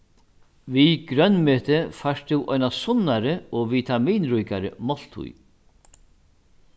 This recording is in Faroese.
við grønmeti fært tú eina sunnari og vitaminríkari máltíð